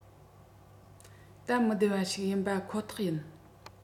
སྟབས མི བདེ བ ཞིག པ ཁོ ཐག ཡིན